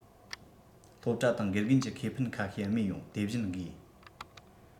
སློབ གྲྭ དང དགེ རྒན གྱི ཁེ ཕན ཁ ཤས རྨས ཡོང དེ བཞིན དགོས